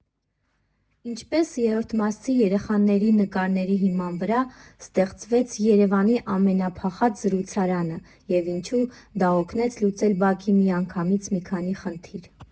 Ինչպես երրորդմասցի երեխաների նկարների հիման վրա ստեղծվեց Երևանի ամենափախած զրուցարանը և ինչու դա օգնեց լուծել բակի միանգամից մի քանի խնդիր։